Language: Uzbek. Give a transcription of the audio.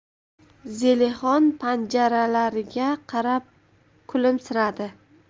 zelixon panjalariga qarab kulimsiradi